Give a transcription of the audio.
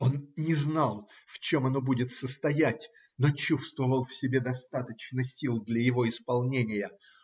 Он не знал, в чем оно будет состоять, но чувствовал в себе достаточно сил для его исполнения.